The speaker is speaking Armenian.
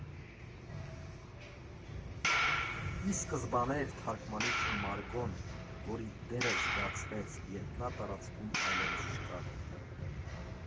Ի սկզբանե էր թարգմանիչ Մարգոն, որի դերը զգացվեց, երբ նա տարածքում այլևս չկար։